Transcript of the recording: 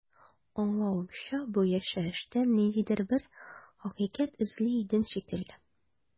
Аңлавымча, бу яшәештән ниндидер бер хакыйкать эзли идең шикелле.